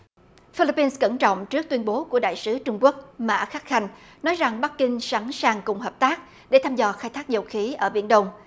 phi líp pin cẩn trọng trước tuyên bố của đại sứ trung quốc mã khắc khanh nói rằng bắc kinh sẵn sàng cùng hợp tác để thăm dò khai thác dầu khí ở biển đông